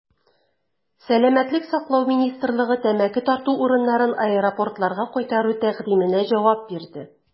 Сәламәтлек саклау министрлыгы тәмәке тарту урыннарын аэропортларга кайтару тәкъдименә җавап бирде.